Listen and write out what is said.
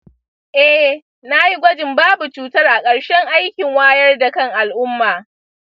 eh, nayi gwajin babu cutar a karshen aikin wayar da kan al'umma.